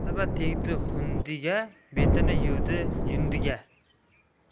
martaba tegdi hundiga betini yuvdi yundiga